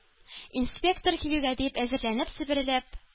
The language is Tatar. Инспектор килүгә дип әзерләнеп себерелеп